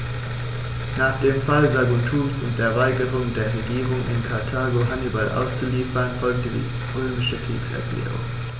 Nach dem Fall Saguntums und der Weigerung der Regierung in Karthago, Hannibal auszuliefern, folgte die römische Kriegserklärung.